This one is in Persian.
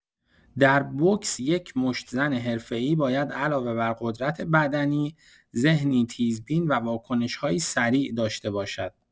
در بوکس، یک مشت‌زن حرفه‌ای باید علاوه بر قدرت‌بدنی، ذهنی تیزبین و واکنش‌هایی سریع داشته باشد.